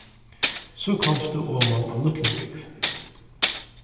so komst tú oman á lítlubrúgv